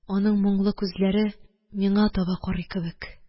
Аның моңлы күзләре миңа таба карый кебек